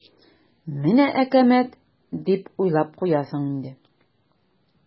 "менә әкәмәт" дип уйлап куясың инде.